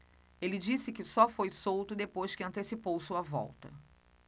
ele disse que só foi solto depois que antecipou sua volta